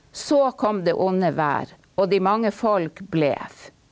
så kom det onde vær, og de mange folk blev.